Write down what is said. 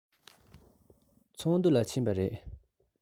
ཚོགས འདུ ལ ཕྱིན པ རེད